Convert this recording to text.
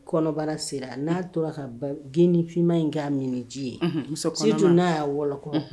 Kɔnɔbara sera, na tora ka geni finma in ka mini ji ye muso kɔnman surtout na ya wɔlɔkɔ.